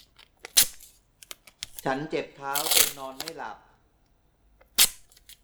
ฉันเจ็บเท้าจนนอนไม่หลับ